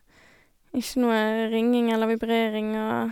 Ikke noe ringing eller vibrering, og...